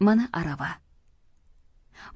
mana arava